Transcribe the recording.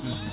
`